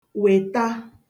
wèta